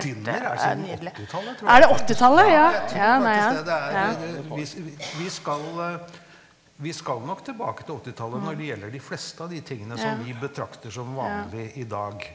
Dinner er siden åttitallet tror jeg ja jeg tror faktisk det det er det, vi vi skal vi skal nok tilbake til åttitallet når det gjelder de fleste av de tingene som vi betrakter som vanlig i dag.